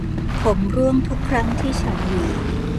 ผมร่วงทุกครั้งที่ฉันหวี